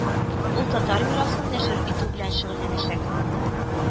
Ул татар мирасын нәшер итү белән шөгыльләнәчәк